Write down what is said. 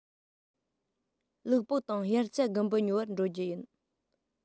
ལུག པགས དང དབྱར རྩྭ དགུན འབུ ཉོ བར འགྲོ རྒྱུ ཡིན